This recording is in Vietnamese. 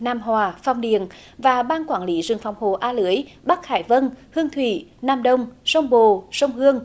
nam hòa phong điền và ban quản lý rừng phòng hộ a lưới bắc hải vân hương thủy nam đông sông bồ sông hương